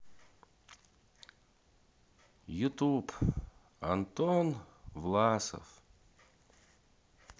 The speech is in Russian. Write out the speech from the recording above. ютуб антон власов